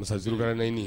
Masaurur naaniɲini